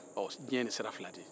diɲɛ ye nin sira fila de ye